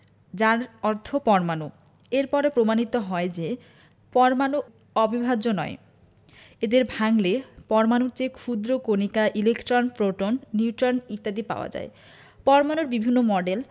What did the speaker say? যার অর্থ পরমাণু এর পরে প্রমাণিত হয় যে পরমাণু অবিভাজ্য নয় এদের ভাঙলে পরমাণুর চেয়ে ক্ষুদ্র কণিকা ইলেকট্রন প্রোটন নিউট্রন ইত্যাদি পাওয়া যায় পরমাণুর বিভিন্ন মডেল